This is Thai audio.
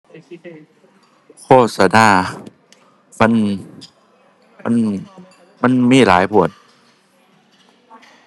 โฆษณา มัน มัน มันมีหลายโพด